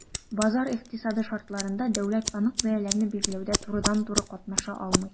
Базар икътисады шартларында дәүләт анык бәяләрне билгеләүдә турыдан-туры катнаша алмый.